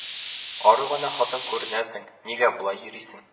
– ару гына хатын күренәсең, нигә болай йөрисең